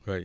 oui